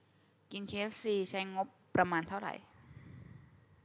กินเคเอฟซีใช้งบประมาณเท่าไหร่